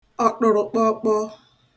ọ̀ṭụ̀rụ̀kpọọkpọọ